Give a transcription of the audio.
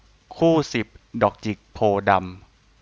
คู่สิบดอกจิกโพธิ์ดำ